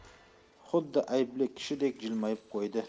xuddi aybli kishidek iljayib qo'ydi